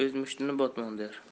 o'z mushtini botmon der